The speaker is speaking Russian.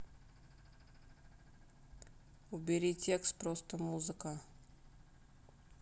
убери текст просто музыка